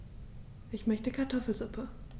Ich möchte Kartoffelsuppe.